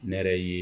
Ne yɛrɛ ye